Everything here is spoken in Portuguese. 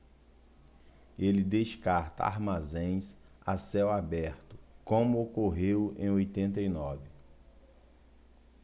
ele descarta armazéns a céu aberto como ocorreu em oitenta e nove